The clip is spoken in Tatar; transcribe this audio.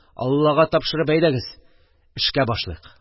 Аллага тапшырып, әйдәгез, эшкә башлыйк!